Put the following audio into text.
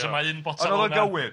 So mae un botel... Oedd o'n gywir.